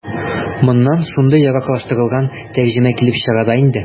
Моннан шундый яраклаштырылган тәрҗемә килеп чыга да инде.